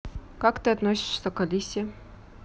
как ты относишься к алисе